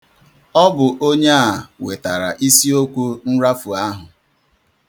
Ọ bụ onye a wetara isiokwu nrafu ahụ.